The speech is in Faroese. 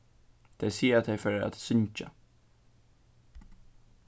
tey siga at tey fara at syngja